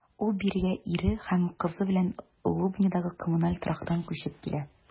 Ул бирегә ире һәм кызы белән Лобнядагы коммуналь торактан күчеп килә.